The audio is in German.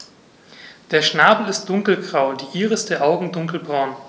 Der Schnabel ist dunkelgrau, die Iris der Augen dunkelbraun.